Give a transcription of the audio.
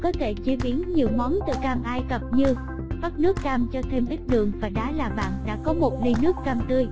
bạn có thể chế biến nhiều món từ cam ai cập như vắt nước cam cho thêm ít đường và đá là bạn đã có ly nước cam tươi